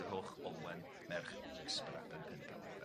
Culhwch Olwen merch Ysbyddaden Pencawr de.